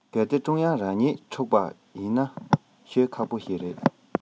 གལ ཏེ ཀྲུང དབྱང རང གཉིད འཁྲུག པ ཡིན ན ཤོད ཁག པོ རེད